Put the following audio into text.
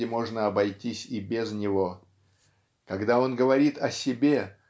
где можно обойтись и без него. Когда он говорит о себе